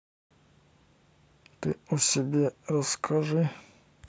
ты о себе расскажи